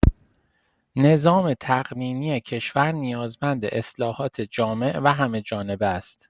نظام تقنینی کشور نیازمند اصلاحات جامع و همه‌جانبه است.